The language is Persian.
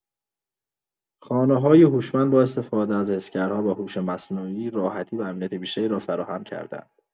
خانه‌های هوشمند با استفاده از حسگرها و هوش مصنوعی، راحتی و امنیت بیشتری را فراهم کرده‌اند.